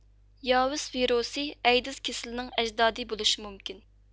ياۋىس ۋىرۇسى ئەيدىز كېسىلىنىڭ ئەجدادى بولۇشى مۇمكىن